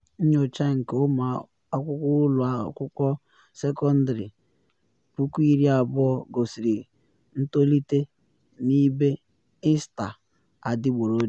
Nyocha nke ụmụ akwụkwọ ụlọ akwụkwọ sekọndịrị 20,000 gosiri ntolite n’ibe “Insta adịgboroja”